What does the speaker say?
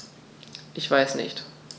Ich weiß nicht.